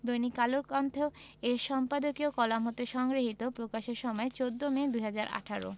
দৈনিক কালের কণ্ঠ এর সম্পাদকীয় কলাম হতে সংগৃহীত প্রকাশের সময় ১৪ মে ২০১৮